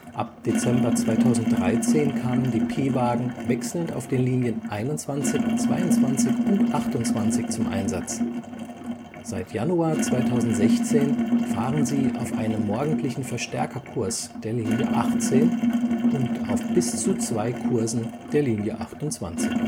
Ab Dezember 2013 kamen die P-Wagen wechselnd auf den Linien 21, 22 und 28 zum Einsatz,, seit Januar 2016 fahren sie auf einem morgendlichen Verstärkerkurs der Linie 18 (Isartor – Effnerplatz) und auf bis zu zwei Kursen der Linie 28.